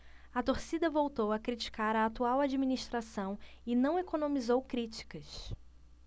a torcida voltou a criticar a atual administração e não economizou críticas